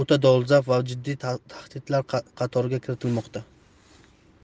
o'ta dolzarb va jiddiy tahdidlar qatoriga kiritilmoqda